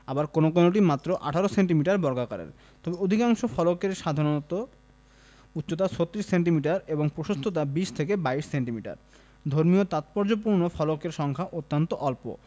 আবার কোন কোনটি মাত্র ১৮ সেন্টিমিটার বর্গাকারের তবে অধিকাংশ ফলকেরই সাধারণ উচচতা ৩৬ সেন্টিমিটার এবং প্রশস্ততা ২০ ২২ সেন্টিমিটার ধর্মীয় তাৎপর্যপূর্ণ ফলকের সংখ্যা অত্যন্ত অল্প